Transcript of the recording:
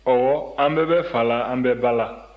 ɔwɔ an bɛɛ bɛ fa la an bɛ ba la